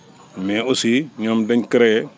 mais aussi ñoom dañ créer